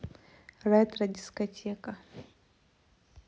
ретро дискотека